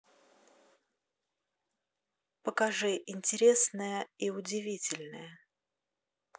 покажи интересное и удивительное